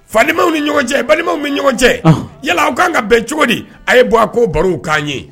Faw ni ɲɔgɔn cɛ balimaw ni ɲɔgɔn cɛ yala aw kan ka bɛn cogo di a ye bɔ a ko baro' ye